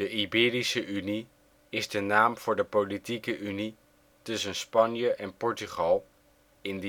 Iberische Unie is de naam voor de politieke unie tussen Spanje en Portugal in